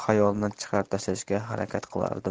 xayolimdan chiqarib tashlashga harakat qilardim